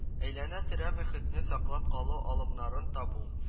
Әйләнә-тирә мохитне саклап калу алымнарын табу